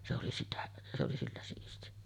se oli sitä se oli sillä siisti